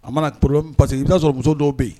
A mana problème, parce que i bɛ t'aa sɔrɔ muso dɔw bɛ yen